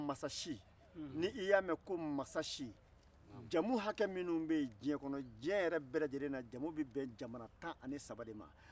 n'i y'a mɛn ko mansasi mansa si jamu hakɛ min bɛ ye diɲɛ kɔnɔ diɲɛ yɛrɛ bɛɛ lajɛlen kɔnɔ jamu bɛ taa bɛn jamana tan ni saba de ma